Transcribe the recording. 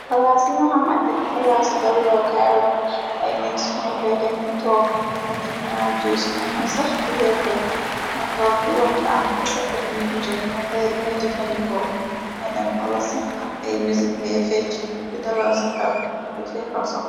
Palaas yi nga xamante ni palaas yi daloo kayala ay nit ñoo fay dem di took ñinn ngi dinaan juus ñeneen ni sax di lekk nga toog di wartaan basha ëri ñi bidjot nga pay li nga jëfandikoo nga dem wala sax am ay misig nga fec di dalal saxel di feefal sox.